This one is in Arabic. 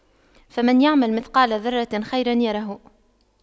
فَمَن يَعمَل مِثقَالَ ذَرَّةٍ خَيرًا يَرَهُ